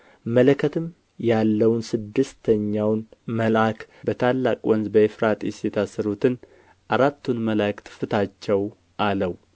መለከትም ያለውን ስድስተኛውን መልአክ በታላቁ ወንዝ በኤፍራጥስ የታሰሩትን አራቱን መላእክት ፍታቸው አለው